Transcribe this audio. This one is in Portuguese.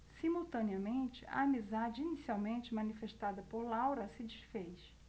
simultaneamente a amizade inicialmente manifestada por laura se disfez